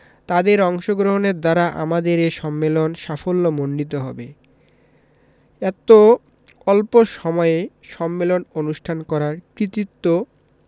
তাদের অংশগ্রহণের দ্বারা আমাদের এ সম্মেলন সাফল্যমণ্ডিত হবে এত অল্প সময়ে সম্মেলন অনুষ্ঠান করার কৃতিত্ব